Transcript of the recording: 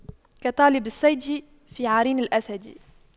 كطالب الصيد في عرين الأسد